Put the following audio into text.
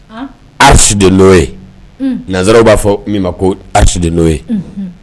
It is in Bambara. Aden n'o ye nanzsaraww b'a fɔ ma ko aden n'o ye